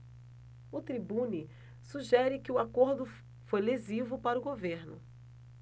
o tribune sugere que o acordo foi lesivo para o governo